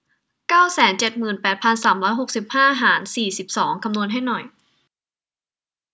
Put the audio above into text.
เก้าแสนเจ็ดหมื่นแปดพันสามร้อยหกสิบห้าหารสี่สิบสองคำนวณให้หน่อย